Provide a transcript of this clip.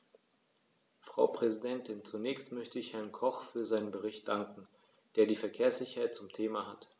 Frau Präsidentin, zunächst möchte ich Herrn Koch für seinen Bericht danken, der die Verkehrssicherheit zum Thema hat.